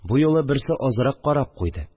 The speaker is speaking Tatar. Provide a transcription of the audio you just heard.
Бу юлы берсе азрак карап куйды